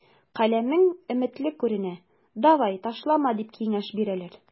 Каләмең өметле күренә, давай, ташлама, дип киңәш бирәләр.